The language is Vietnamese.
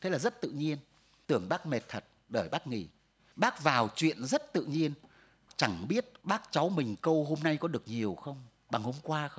thế là rất tự nhiên tưởng bác mệt thật đợi bác nghỉ bác vào chuyện rất tự nhiên chẳng biết bác cháu mình câu hôm nay có được nhiều không bằng hôm qua không